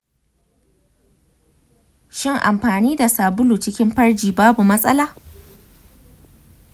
shin amfani da sabulu cikin farji babu matsala?